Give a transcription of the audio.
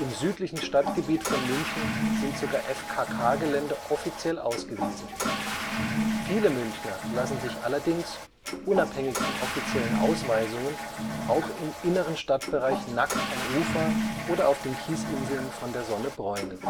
südlichen Stadtgebiet von München sind sogar FKK-Gelände offiziell ausgewiesen. Viele Münchner lassen sich allerdings – unabhängig von offiziellen Ausweisungen – auch im inneren Stadtbereich nackt am Ufer oder auf den Kiesinseln von der Sonne bräunen